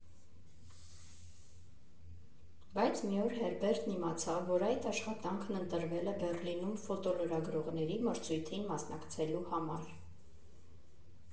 Բայց մի օր Հերբերտն իմացավ, որ այդ աշխատանքն ընտրվել է Բեռլինում ֆոտոլրագրողների մրցույթին մասնակցելու համար։